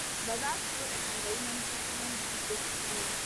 Ba za su dole tambayi manufofin wanda ake tuhumar ba.